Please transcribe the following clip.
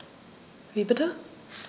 Wie bitte?